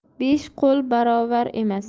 besh qo'l barobar emas